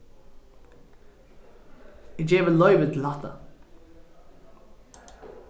eg gevi loyvi til hatta